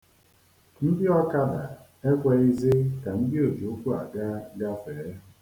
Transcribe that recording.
Ndị ọkada ekweghịzị ka ndị ojiụkwụaga gafee.